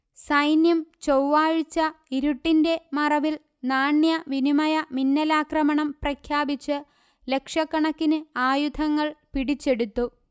സൈന്യം ചൊവ്വാഴ്ച ഇരുട്ടിന്റെ മറവില് നാണ്യവിനിമയ മിന്നലാക്രമണം പ്രഖ്യാപിച്ച് ലക്ഷക്കണക്കിന് ആയുധങ്ങൾ പിടിച്ചെടുത്തു